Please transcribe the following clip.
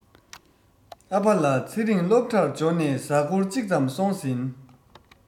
ཨ ཕ ལ ཚེ རིང སློབ གྲྭར འབྱོར ནས གཟའ འཁོར གཅིག ཙམ སོང ཟིན